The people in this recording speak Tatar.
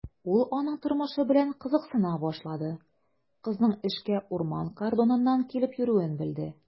Ул аның тормышы белән кызыксына башлады, кызның эшкә урман кордоныннан килеп йөрүен белде.